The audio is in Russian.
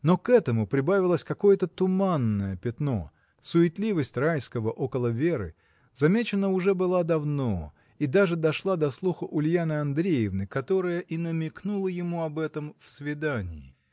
Но к этому прибавилось какое-то туманное пятно: суетливость Райского около Веры замечена уже была давно и даже дошла до слуха Ульяны Андреевны, которая и намекнула ему об этом в свидании.